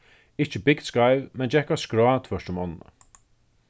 ikki bygd skeiv men gekk á skrá tvørtur um ánna